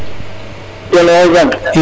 Nuun wey na jam?